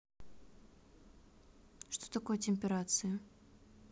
что такое темперации